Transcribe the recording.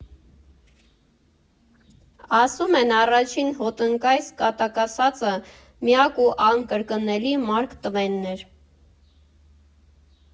Ասում են առաջին հոտնկայս կատակասացը միակ ու անկրկնելի Մարկ Տվենն էր։